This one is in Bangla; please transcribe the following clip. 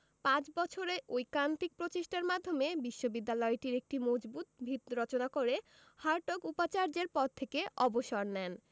পাঁচ বছরের ঐকান্তিক প্রচেষ্টার মাধ্যমে বিশ্ববিদ্যালয়টির একটি মজবুত ভিত রচনা করে হার্টগ উপাচার্যের পদ থেকে অবসর নেন